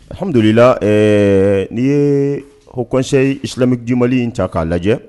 Mdulila ɛɛ n ye h kɔnse silamɛmi mali in ta k'a lajɛ